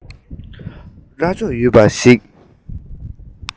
རྭ ཅོ ཡོད པ ཞིག